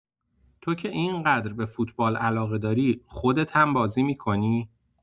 تو که اینقدر به فوتبال علاقه داری، خودت هم‌بازی می‌کنی؟